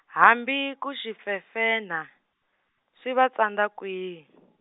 hambi ku xi fefenha, swi va tsandza kwihi?